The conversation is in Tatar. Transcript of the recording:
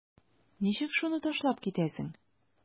Ничек шуны ташлап китәсең?